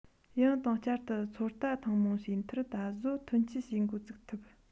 ཡང དང བསྐྱར དུ ཚོད ལྟ ཐེངས མང བྱས མཐར ད གཟོད ཐོན སྐྱེད བྱེད འགོ ཚུགས ཐུབ